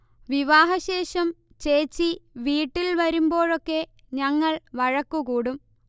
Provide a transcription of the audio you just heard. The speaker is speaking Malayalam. വിവാഹശേഷം ചേച്ചി വീട്ടിൽ വരുമ്ബോഴൊക്കെ ഞങ്ങൾ വഴക്കുകൂടും